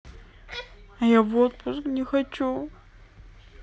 а я в отпуск не хочу